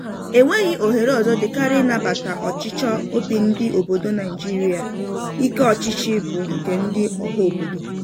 E nweghị ohere ọzọ dị karịa ịnabata ọchịchọ obi ndị obodo Naijiria, ike ọchịchị bụ nke ndị ọha obodo.